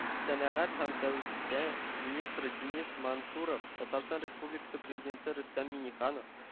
Сәнәгать һәм сәүдә министры денис мантуров, татарстан республикасы президенты рөстәм миңнеханов